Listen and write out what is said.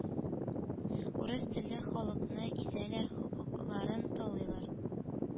«урыс телле халык»ны изәләр, хокукларын талыйлар,